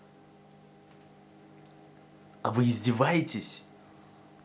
а вы издеваетесь